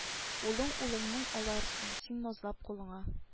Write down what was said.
Улын улыңның алырсың син назлап кулыңа